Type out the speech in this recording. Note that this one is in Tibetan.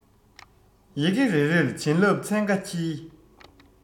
ཡི གེ རེ རེར བྱིན རླབས ཚན ཁ འཁྱིལ